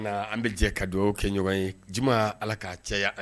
Nkaa an bɛ jɛ ka dugawu ɲɔgɔn ye, juma ala k'a caya